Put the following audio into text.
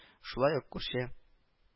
Улай ук күрше к